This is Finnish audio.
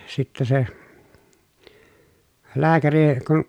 sitten se lääkäri kun